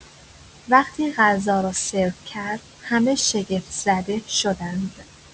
وقتی غذا را سرو کرد، همه شگفت‌زده شدند.